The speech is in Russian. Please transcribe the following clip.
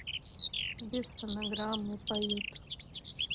без фонограммы поют